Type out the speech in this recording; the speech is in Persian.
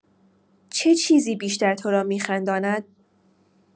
چه چیزی بیشتر تو را می‌خنداند؟